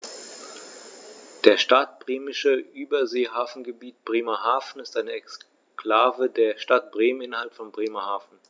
Das Stadtbremische Überseehafengebiet Bremerhaven ist eine Exklave der Stadt Bremen innerhalb von Bremerhaven.